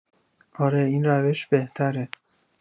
آره این روش بهتره